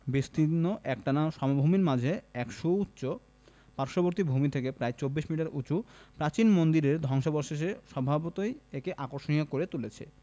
বিস্তীর্ণ একটানা সমভূমির মাঝে এক সুউচ্চ পার্শ্ববর্তী ভূমি থেকে প্রায় ২৪ মিটার উঁচু প্রাচীন মন্দিরের ধ্বংসাবশেষ স্বভাবতই একে আকর্ষণীয় করে তুলেছে